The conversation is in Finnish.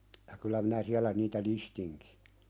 ja kyllä minä siellä niitä listinkin